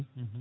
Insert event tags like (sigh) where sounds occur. (hesitation) (hesitation)